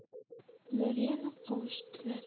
ular yana qovushdilar